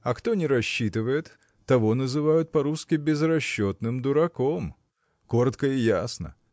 а кто не рассчитывает, того называют по-русски безрасчетным, дураком. Коротко и ясно.